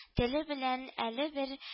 Теле белән әле бер